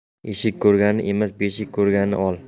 eshik ko'rganni emas beshik ko'rganni ol